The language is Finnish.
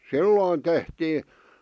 silloin tehtiin